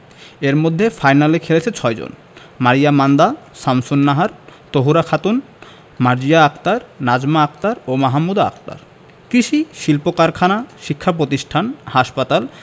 এর মধ্যে ফাইনালে খেলেছে ৬ জন মারিয়া মান্দা শামসুন্নাহার তহুরা খাতুন মার্জিয়া আক্তার নাজমা আক্তার ও মাহমুদা আক্তার কৃষি শিল্পকারখানা শিক্ষাপ্রতিষ্ঠান হাসপাতাল